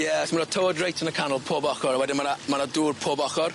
Ie so ma' 'na tywod reit yn y canol pob ochor a wedyn ma' 'na ma' 'na dŵr pob ochor.